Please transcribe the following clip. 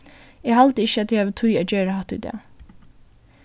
eg haldi ikki at eg havi tíð at gera hatta í dag